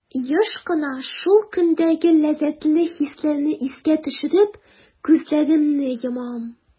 Еш кына шул көндәге ләззәтле хисләрне искә төшереп, күзләремне йомам.